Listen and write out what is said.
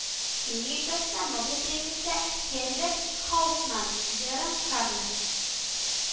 Химия өлкәсендә Нобель премиясе Херберт Хауптман, Джером Карле